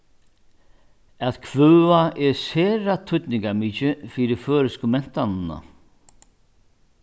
at kvøða er sera týdningarmikið fyri føroysku mentanina